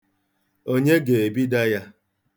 Onye ga-ebida ya?